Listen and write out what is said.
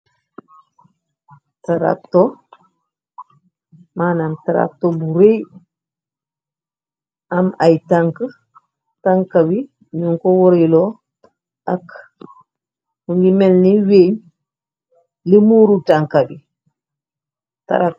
rkmnam trakto bu rëy am ay tanka wi ñu ko wariloo ak ngi melni wéeñ li muuru tanka bi